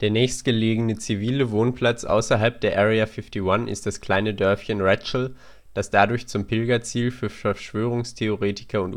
nächstgelegene zivile Wohnplatz außerhalb der Area 51 ist das kleine Dörfchen Rachel, das dadurch zum Pilgerziel für Verschwörungstheoretiker